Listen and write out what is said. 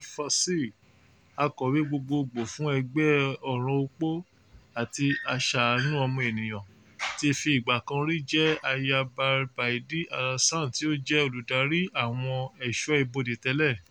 Maimouna Alpha Sy, akọ̀wé gbogboògbò fún Ẹgbẹ́ Ọ̀ràn Opó àti Aṣàánù ọmọ-ènìyàn, ti fi ìgbà kan rí jẹ́ aya Ba Baïdy Alassane, tí ó jẹ́ adarí àwọn ẹ̀ṣọ́ ibodè tẹ́lẹ̀.